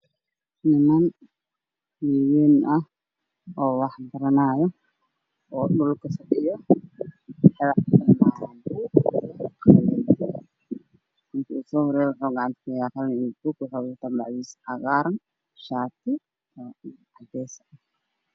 Niman waayeel oo waxbaranayo ninka u saarayo wuxuu heystaa buug iyo qalin macwiista oo midabkeedu waa cagaar shaatiga waa buluug